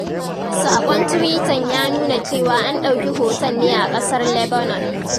Saƙon tuwitan ya nuna cewa an ɗauki hoton ne a ƙasar Lebanon.